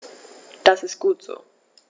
Das ist gut so.